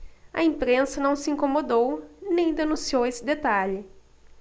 a imprensa não se incomodou nem denunciou esse detalhe